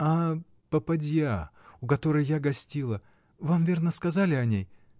— А. попадья, у которой я гостила: вам, верно, сказали о ней!